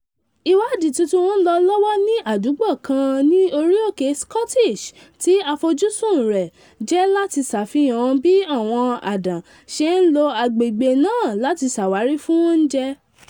Ìwádìí tuntun ń lọ lọ́wọ́ ní àdúgbọ̀ kan ní Orí òkè Scottish tí àfojúsùn rẹ̀ jẹ́ láti ṣàfihàn bí àwọn àdán ṣe ń lo àgbègbè náà láti ṣàwárí fún oúnjẹ́.